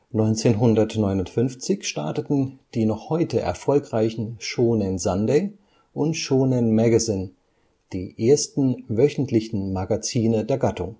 1959 starteten die noch heute erfolgreichen Shōnen Sunday und Shōnen Magazine, die ersten wöchentlichen Magazine der Gattung